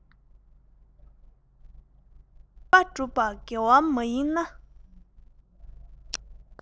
འདོད པ སྒྲུབ པ དགེ བ མ ཡིན ན